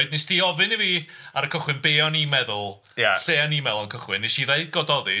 Wnes ti ofyn i fi ar y cychwyn be o'n i'n meddwl... ia. ...lle o'n i'n meddwl oedd o'n cychwyn, wnes i ddeud Gododdin.